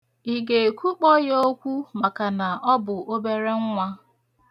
Ị ga-ekwukpo ya okwu maka na ọ bụ obere nwa.?